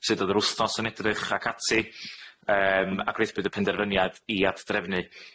sud oedd wthnos yn edrych ac ati, yym, a gwnaethpwyd y penderfyniad i ad-drefnu.